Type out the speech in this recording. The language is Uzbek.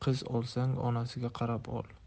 qiz olsang onasiga qarab ol